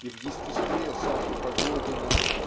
и в естестве Саши Погодина